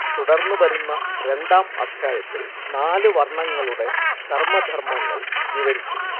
തുടർന്ന് വരുന്ന രണ്ടാം അധ്യായത്തിൽ നാലുവർണങ്ങളുടെ കർമധർമങ്ങൾ വിവരിക്കുന്നു